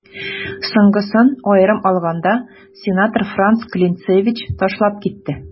Соңгысын, аерым алганда, сенатор Франц Клинцевич ташлап китте.